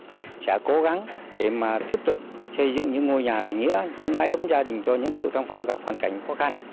sẽ cố gắng để mà tiếp tục xây dựng những ngôi nhà tình nghĩa những mái ấm gia đình cho những cựu trong phong gặp hoàn cảnh khó khăn